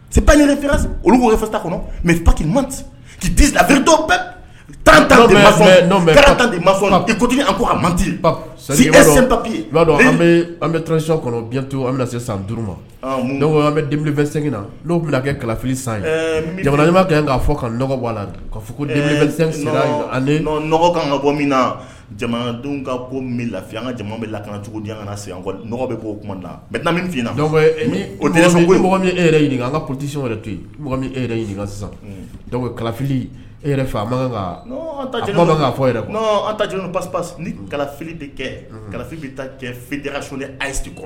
Oluta kɔnɔ mɛ pati tantigi a man papi'a an bɛsi bi an se san duuru ma an bɛfɛn sengin na bɛ kɛ kalafili san jamana ma gɛn' fɔ ka dɔgɔ bɔ a la ka fɔ kan ka bɔ min na jamanadenw ka min lafi an ka bɛ la ka jugu se an bɛ' o kuma min e yɛrɛ ɲini an katisi yɛrɛ to yen e yɛrɛ ɲini sisanfi e fa fɔj pa nifili de kɛfi bɛ cɛfe soli ayise kɔnɔ